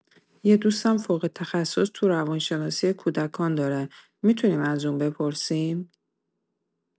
یه دوستم فوق‌تخصص تو روان‌شناسی کودکان داره، می‌تونیم از اون بپرسیم!